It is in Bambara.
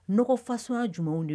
Nɔgɔ fasonya jumɛnw de don?